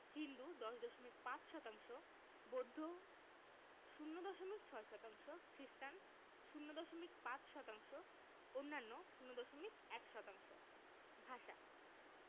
হিন্দু ১০দশমিক ৫ শতাংশ বৌদ্ধ ০ দশমিক ৬ শতাংশ খ্রিস্টান ০দশমিক ৫ শতাংশ অন্যান্য ০দশমিক ১ শতাংশ ভাষাঃ